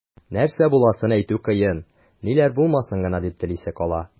Нәрсә буласын әйтү кыен, ниләр булмасын гына дип телисе кала.